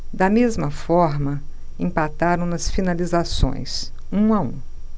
da mesma forma empataram nas finalizações um a um